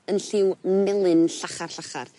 yn lliw melyn llachar llachar.